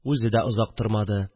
Үзе дә озак тормады